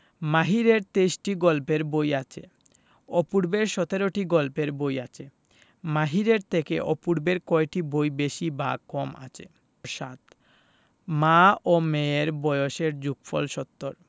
মাহিরের ২৩টি গল্পের বই আছে অপূর্বের ১৭টি গল্পের বই আছে মাহিরের থেকে অপূর্বের কয়টি বই বেশি বা কম আছে ৭ মা ও মেয়ের বয়সের যোগফল ৭০